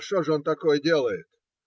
Что же он такое делает?